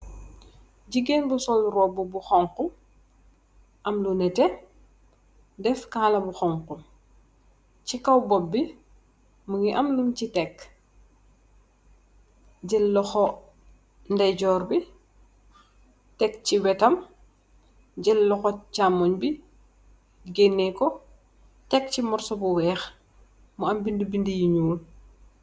Gigeen bu sul robu bu xhong khu am lu neteh daf kala bu xhong khu si kaw bopp bi munge am lunj fa tek jel loxu ndeye jorr bi munge tek si wetam jel loxu chamm moi bi gene ku tek morsuh bu wekh mu bindih bindih yu wekh